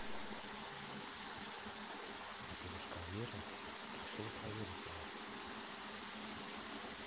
девушка амира решила проверить его